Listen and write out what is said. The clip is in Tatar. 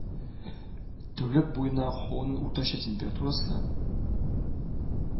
Тәүлек буена һаваның уртача температурасы